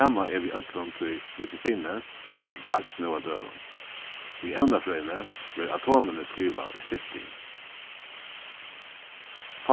sama er við øllum tí medisini sum er til taks nú á døgum í evnafrøðini verða atomini skrivað í stytting